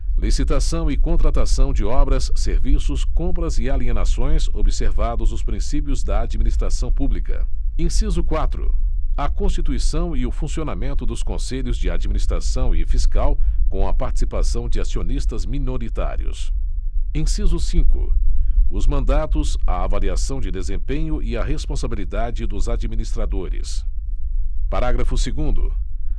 licitação e contratação de obras serviços compras e alienações observados os princípios da administração pública inciso quatro a constituição e o funcionamento dos conselhos de administração e fiscal com a participação de acionistas minoritários inciso cinco os mandatos a avaliação de desempenho e a responsabilidade dos administradores parágrafo segundo